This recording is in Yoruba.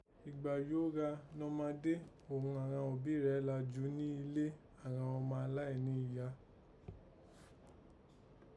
Ìgbà yìí gho gha nomadé òghun àghan òbí rẹ̀ la jùú nílé àghan ọma aláìnẹ́ ìyá.